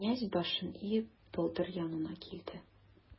Князь, башын иеп, болдыр янына килде.